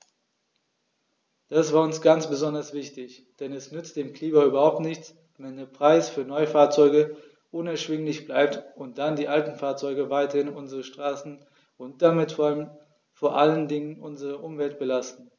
Das war uns ganz besonders wichtig, denn es nützt dem Klima überhaupt nichts, wenn der Preis für Neufahrzeuge unerschwinglich bleibt und dann die alten Fahrzeuge weiterhin unsere Straßen und damit vor allen Dingen unsere Umwelt belasten.